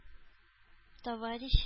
Товарищ